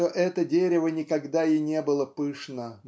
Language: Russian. что это дерево никогда и не было пышно